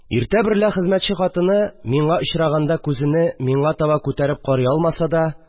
Иртә берлә хезмәтче хатыны, миңа очраганда, күзене миңа таба күтәреп карый алмаса да